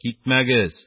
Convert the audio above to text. Китмәгез,